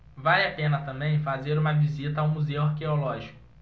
vale a pena também fazer uma visita ao museu arqueológico